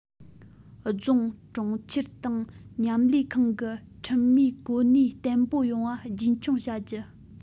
རྫོང གྲོང ཁྱེར དང མཉམ ལས ཁང གི ཁྲིམས མིའི གོ གནས བརྟན པོ ཡོང བ རྒྱུན འཁྱོངས བྱ རྒྱུ